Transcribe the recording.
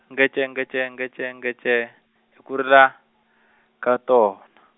ngece ngece ngece ngece, i ku rila, ka tona.